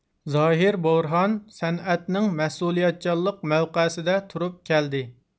زاھىر بۇرھان سەنئەتنىڭ مەسئۇلىيەتچانلىق مەۋقەسىدە تۇرۇپ كەلدى